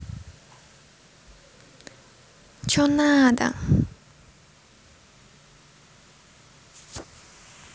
че надо